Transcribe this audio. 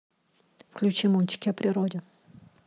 включи мультики о природе